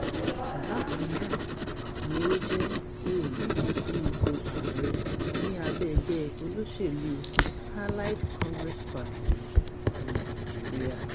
Bákan náà ni ó jẹ́ òǹdíje sí ipò ààrẹ ní abẹ́ ẹgbẹ́ olóṣèlú Allied Congress Party ti Nàìjíríà.